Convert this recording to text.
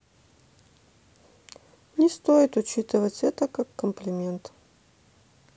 не стоит учитывать это как комплимент